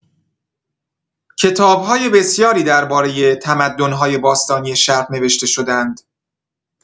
کتاب‌های بسیاری درباره تمدن‌های باستانی شرق نوشته شده‌اند.